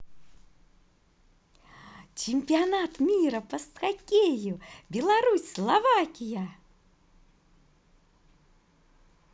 чемпионат мира по хоккею беларусь словакия